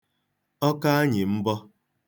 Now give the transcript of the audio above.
ọkọanyị̀mbọ